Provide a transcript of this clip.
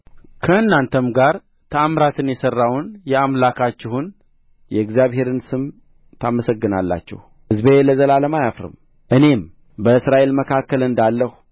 ከእናንተም ጋር ተአምራትን የሠራውን የአምላካችሁን የእግዚአብሔርን ስም ታመሰግናላችሁ ሕዝቤም ለዘላለም አያፍርም እኔም በእስራኤል መካከል እንዳለሁ